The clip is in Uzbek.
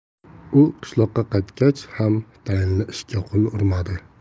u qishloqqa qaytgach ham tayinli ishga qo'l urmadi